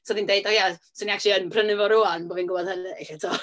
So oedd hi'n deud, "o ia, 'swn ni acshyli yn prynu fo rŵan bo' fi'n gwybod hynny, 'lly tibod .